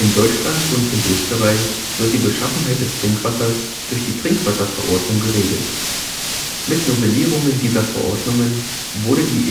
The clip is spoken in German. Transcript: Deutschland und in Österreich wird die Beschaffenheit des Trinkwassers durch die Trinkwasserverordnung (TrinkwV) geregelt. Mit Novellierungen dieser Verordnungen wurde die